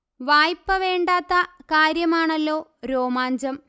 വായ്പ വേണ്ടാത്ത കാര്യമാണല്ലോ രോമാഞ്ചം